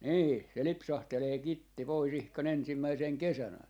niin se lipsahtelee kitti pois ihan ensimmäisenä kesänä -